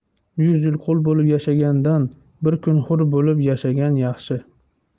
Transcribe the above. yuz yil qul bo'lib yashagandan bir kun hur bo'lib yashagan yaxshi